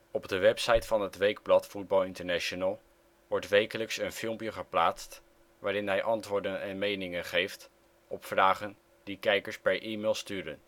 Op de website van het weekblad Voetbal International wordt wekelijks een filmpje geplaatst waarin hij antwoorden en meningen geeft op vragen die kijkers per e-mail sturen